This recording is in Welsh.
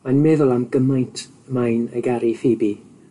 Mae'n meddwl am gymaint y mae'n ei garu Pheobe,